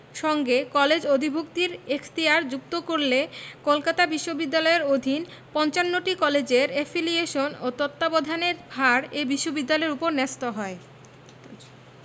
সঙ্গে কলেজ অধিভুক্তির এখতিয়ার যুক্ত করলে কলকাতা বিশ্ববিদ্যালয়ের অধীন ৫৫টি কলেজের এফিলিয়েশন ও তত্ত্বাবধানের ভার এ বিশ্ববিদ্যালয়ের ওপর ন্যস্ত হয়